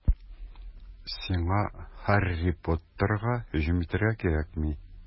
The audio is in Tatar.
Сиңа Һарри Поттерга һөҗүм итәргә кирәкми.